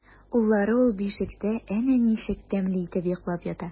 Уллары ул бишектә әнә ничек тәмле итеп йоклап ята!